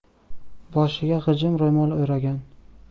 boshiga g'ijim ro'mol o'ragan